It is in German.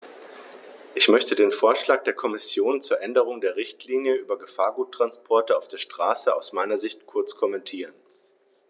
Ich möchte den Vorschlag der Kommission zur Änderung der Richtlinie über Gefahrguttransporte auf der Straße aus meiner Sicht kurz kommentieren.